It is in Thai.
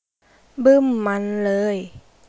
บึ้มมันเลย